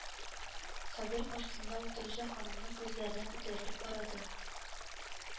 Сабир каршысында утыручы ханымның күзләренә күтәрелеп карады